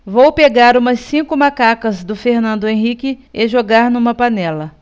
vou pegar umas cinco macacas do fernando henrique e jogar numa panela